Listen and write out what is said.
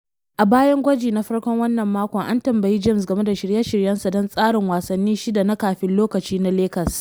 A bayan gwaji na farkon wannan makon, an tambayi James game da shirye-shiryensa don tsarin wasanni shida na kafin lokaci na Lakers.